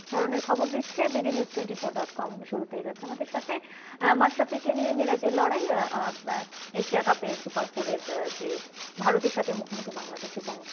ধরনের খবর দিচ্ছে বিডিনিউজ ২৮ ডট কম শুরুতেই রয়েছে আমাদের সাথে মাশরাফিকে নিয়ে মিরাজের লড়াই এশিয়া কাপের সুপার ফোরের যে ভারতের সাথে মুখোমুখি বাংলাদেশ এবং